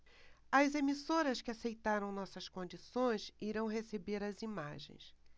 as emissoras que aceitaram nossas condições irão receber as imagens